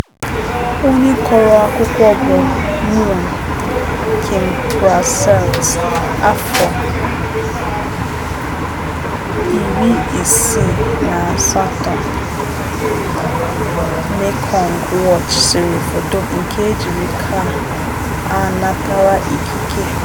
Onye kọrọ akụkọ bụ Mun Kimprasert, afọ 68, Mekong Watch sere foto, nke e jiri ka a natara ikike.